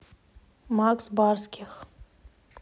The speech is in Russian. макс барских